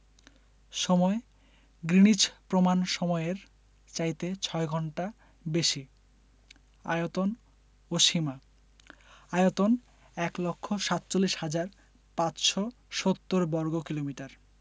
সময়ঃ গ্রীনিচ প্রমাণ সমইয়ের চাইতে ৬ ঘন্টা বেশি আয়তন ও সীমাঃ আয়তন ১লক্ষ ৪৭হাজার ৫৭০বর্গকিলোমিটার